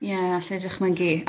Ie, allai ddychmygu.